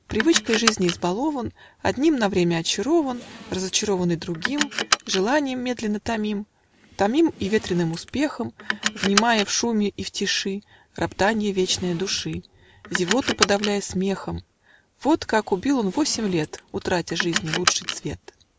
Привычкой жизни избалован, Одним на время очарован, Разочарованный другим, Желаньем медленно томим, Томим и ветреным успехом, Внимая в шуме и в тиши Роптанье вечное души, Зевоту подавляя смехом: Вот как убил он восемь лет, Утратя жизни лучший цвет.